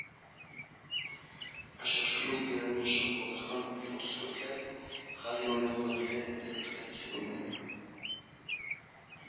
Очрашу мизгелләрен чагылдырган фотосурәтләр хәзер инде кадерле ядкарьләр исәбендә